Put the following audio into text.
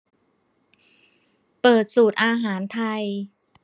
เปิดสูตรอาหารไทย